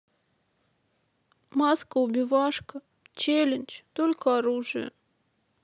маска убивашка челлендж только оружие